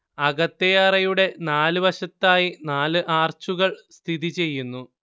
അകത്തേ അറയുടെ നാലു വശത്തായി നാലു ആർച്ചുകൾ സ്ഥിതി ചെയ്യുന്നു